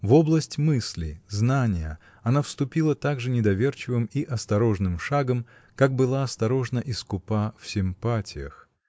В область мысли, знания она вступила так же недоверчивым и осторожным шагом, как была осторожна и скупа в симпатиях.